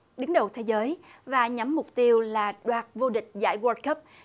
đứng đầu thế giới và nhắm mục tiêu là đoạt vô địch giải guân cấp